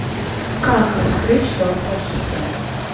как раскрыть шторку ассистента